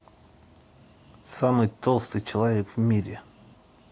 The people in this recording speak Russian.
самый толстый человек в мире